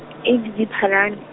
eight d- Diphalane.